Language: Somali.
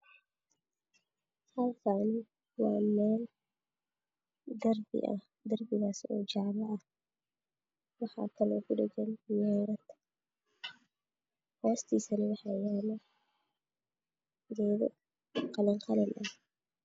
Qolkaani meel darbi oo jaale waxaa jlku dhagan hoos waxaa yaalo geedo qalin